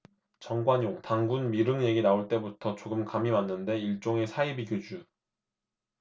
정관용 단군 미륵 얘기 나올 때부터 조금 감이 왔는데 일종의 사이비교주